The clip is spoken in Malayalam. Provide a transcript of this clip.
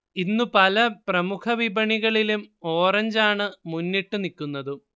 ഇന്നുപല പ്രമുഖ വിപണികളിലും ഓറഞ്ച് ആണു മുന്നിട്ടുനിക്കുന്നതും